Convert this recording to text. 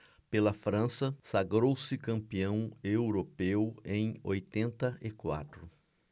pela frança sagrou-se campeão europeu em oitenta e quatro